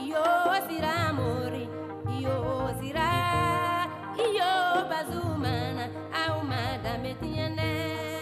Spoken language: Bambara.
iyo Siramori iyo sira iya Bazumana aw ma danbe tiɲɛ dɛ